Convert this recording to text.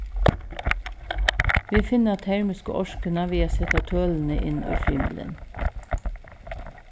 vit finna termisku orkuna við at seta tølini inn í frymilin